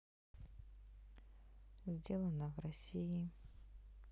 сделано в россии